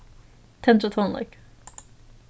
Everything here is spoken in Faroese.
tendra tónleik